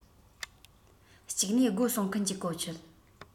གཅིག ནས སྒོ སྲུང མཁན གྱི གོ ཆོད